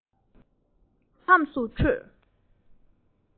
ཁ བ ཅན གྱི ཁམས སུ འཕྲོས